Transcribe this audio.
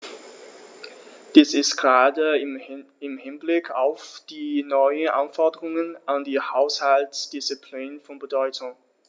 Dies ist gerade im Hinblick auf die neuen Anforderungen an die Haushaltsdisziplin von Bedeutung.